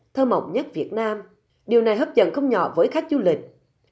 thơ mộng nhất việt nam điều này hấp dẫn không nhỏ với khách du lịch